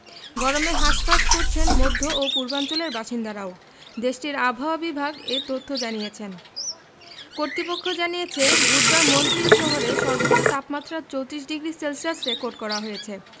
গরমে হাসফাঁস করছেন মধ্য ও পূর্বাঞ্চলের বাসিন্দারাও দেশটির আবহাওয়া বিভাগ এ তথ্য জানিয়েছেন কর্তৃপক্ষ জানিয়েছে বুধবার মন্ট্রিল শহরে সর্বোচ্চ তাপমাত্রা ৩৪ ডিগ্রি সেলসিয়াস রেকর্ড করা হয়েছে